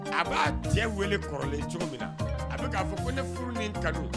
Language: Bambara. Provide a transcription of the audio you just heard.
A b'a cɛ weele kɔrɔlen cogo min na a bɛ k'a fɔ ko ne furu ni ka